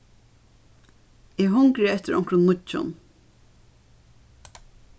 eg hungri eftir onkrum nýggjum